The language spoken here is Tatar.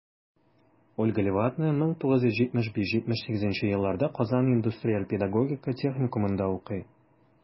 Ольга Левадная 1975-1978 елларда Казан индустриаль-педагогика техникумында укый.